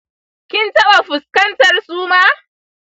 kin taba fuskantar suma?